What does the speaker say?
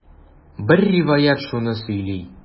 Бер риваять шуны сөйли.